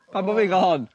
Pam bo' fi fel hon?